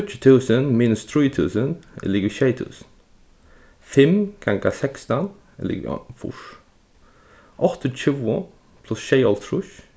tíggju túsund minus trý túsund er ligvið sjey túsund fimm ganga sekstan er ligvið fýrs áttaogtjúgu pluss sjeyoghálvtrýss